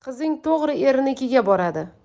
qizing to'g'ri erinikiga boradi